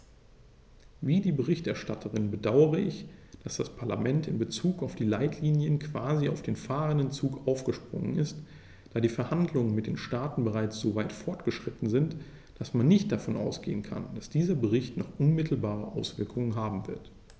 Wie die Berichterstatterin bedaure ich, dass das Parlament in bezug auf die Leitlinien quasi auf den fahrenden Zug aufgesprungen ist, da die Verhandlungen mit den Staaten bereits so weit fortgeschritten sind, dass man nicht davon ausgehen kann, dass dieser Bericht noch unmittelbare Auswirkungen haben wird.